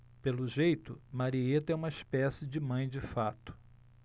pelo jeito marieta é uma espécie de mãe de fato